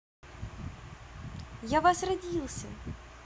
я вас родился